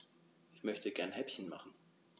Ich möchte gerne Häppchen machen.